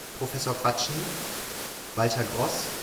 Professor Quatschnie Walter Gross